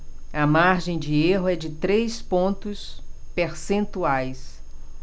a margem de erro é de três pontos percentuais